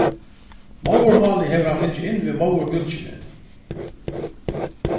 móðurmálið hevur hann fingið inn við móðurmjólkini